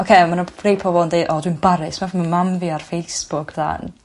ocê ma' 'na rhei pobol yn deu' o dwi'n baris fach ma' mam fi ar Facebook den.